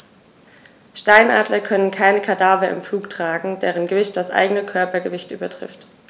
Steinadler können keine Kadaver im Flug tragen, deren Gewicht das eigene Körpergewicht übertrifft.